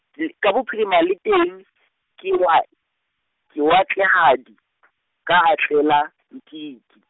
l- ka bophirima le teng , ke wa, lewatlehadi , ka Atlelantiki.